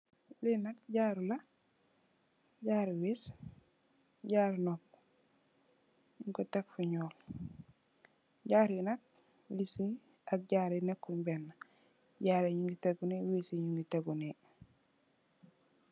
Li nak jaaro la, jaaro wiiss, jaaro nopu, nung ko tekk fu ñuul, jaaro yi nak wiis yi ak jaaro yi nekkun benn. jaaro nungi tégu ni, wiiss yi nungi tégu ni.